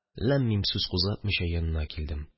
Ләм-мим сүз кузгатмыйча, янына килдем.